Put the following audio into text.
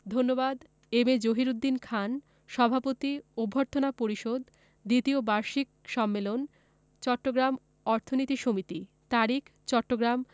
ধন্যবাদ A M Jahiruddin Khan সভাপতি অভ্যর্থনা পরিষদ দ্বিতীয় বার্ষিক সম্মেলন চট্টগ্রাম অর্থনীতি সমিতি তারিখ চট্টগ্রাম